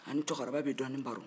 ani cɛkɔrɔba bɛ dɔɔni baro